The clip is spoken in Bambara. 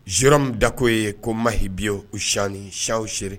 Sio min dako ye ko mahi biye uc siwseere